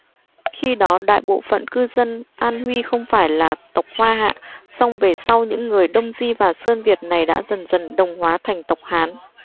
khi đó đại bộ phận cư dân an huy không phải là tộc hoa hạ song về sau những người đông di và sơn việt này đã dần dần đồng hóa thành tộc hán